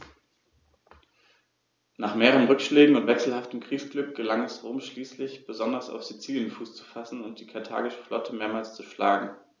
Nach mehreren Rückschlägen und wechselhaftem Kriegsglück gelang es Rom schließlich, besonders auf Sizilien Fuß zu fassen und die karthagische Flotte mehrmals zu schlagen.